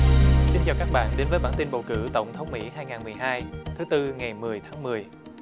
xin chào các bạn đến với bản tin bầu cử tổng thống mỹ hai ngàn mười hai thứ tư ngày mười tháng mười